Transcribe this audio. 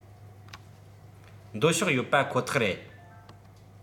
འདོད ཕྱོགས ཡོད པ ཁོ ཐག རེད